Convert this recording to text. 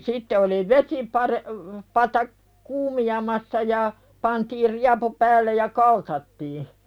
sitten oli - vesipata kuumenemassa ja pantiin riepu päälle ja kaltattiin